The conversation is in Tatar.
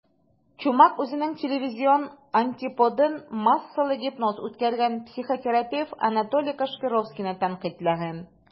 Чумак үзенең телевизион антиподын - массалы гипноз үткәргән психотерапевт Анатолий Кашпировскийны тәнкыйтьләгән.